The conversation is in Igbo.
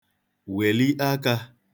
wèli aka